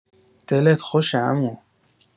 دلت خوشه عمو.